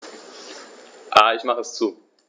Ich mache es zu.